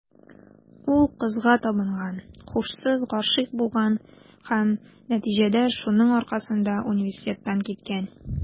Ул кызга табынган, һушсыз гашыйк булган һәм, нәтиҗәдә, шуның аркасында университеттан киткән.